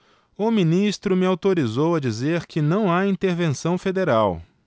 o ministro me autorizou a dizer que não há intervenção federal